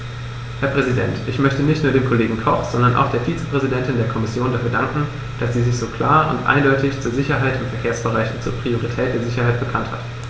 Herr Präsident, ich möchte nicht nur dem Kollegen Koch, sondern auch der Vizepräsidentin der Kommission dafür danken, dass sie sich so klar und eindeutig zur Sicherheit im Verkehrsbereich und zur Priorität der Sicherheit bekannt hat.